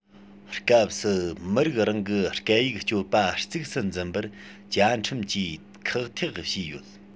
སྐབས སུ མི རིགས རང གི སྐད ཡིག སྤྱོད པ གཙིགས སུ འཛིན པར བཅའ ཁྲིམས ཀྱིས ཁག ཐེག བྱས ཡོད